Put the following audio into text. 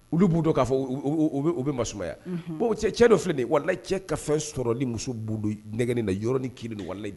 Olu b'u dɔn k'a fɔ u bɛ masumaya cɛ cɛ dɔ filɛ warila cɛ ka fɛn sɔrɔ ni muso nɛgɛ la yɔrɔ ni kelen wali